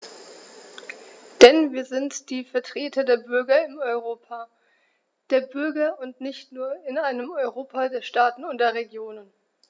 Denn wir sind die Vertreter der Bürger im Europa der Bürger und nicht nur in einem Europa der Staaten und der Regionen.